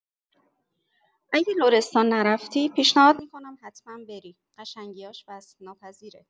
اگه لرستان نرفتی، پیشنهاد می‌کنم حتما بری، قشنگی‌هاش وصف‌ناپذیره.